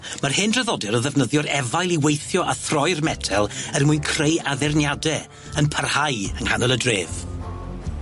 Ma'r hen draddodiad o ddefnyddio'r efail i weithio a throi'r metel er mwyn creu addurniade yn parhau yng nghanol y dref.